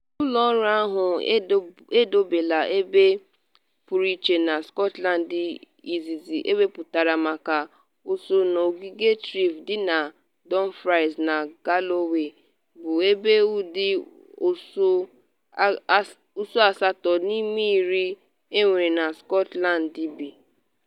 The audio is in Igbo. Ụlọ ọrụ ahụ edobela ebe pụrụ iche na Scotland izizi ewepụtara maka ụsụ n’ogige Threave dị na Dumfries na Galloway, bụ be ụdị ụsụ asatọ n’ime iri enwere na Scotland bi.